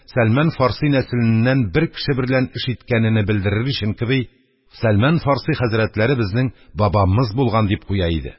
«сәлман фарси» нәселеннән бер кеше берлән эш иткәнене белдерер өчен кеби: – сәлман фарси хәзрәтләре безнең бабамыз булган, – дип куя иде.